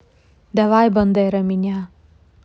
давай бандера меня